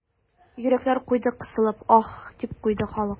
Йөрәкләр куйды кысылып, аһ, дип куйды халык.